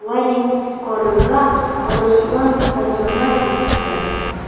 Шулай дип Карга Арыслан катына китте.